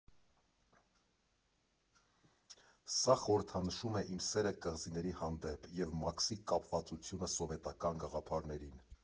Սա խորհրդանշում է իմ սերը կղզիների հանդեպ, և Մաքսի կապվածությունը սովետական գաղափարներին։